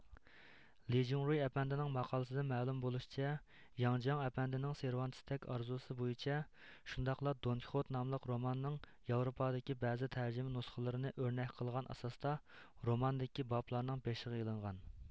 لىجڭرۇي ئەپەندىنىڭ ماقالىسىدىن مەلۇم بۇلىشىچە ياڭجىياڭ ئەپەندى سېرۋانتىستەك ئارزۇسى بويىچە شۇنداقلا دونكىخوت ناملىق روماننىڭ ياۋروپادىكى بەزى تەرجىمە نۇسخىلىرىنى ئۆرنەك قىلغان ئاساستا روماندىكى باپلارنىڭ بېشىغا ئېلىنغان